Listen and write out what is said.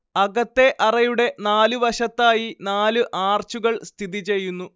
അകത്തേ അറയുടെ നാലു വശത്തായി നാലു ആർച്ചുകൾ സ്ഥിതി ചെയ്യുന്നു